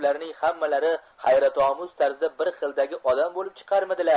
ularning hammalari hayratomuz tarzda bir xildagi odam bo'lib chiqarmidilar